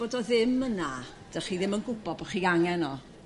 bod o ddim yna 'dych chi ddim yn gw'bo' bo' chi angen o.